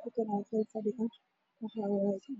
Halkaaan waa qol fadhi ah fadhi